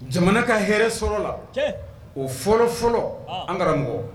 Jamana ka hɛrɛ sɔrɔla la o fɔlɔ fɔlɔ an karamɔgɔ nkɔ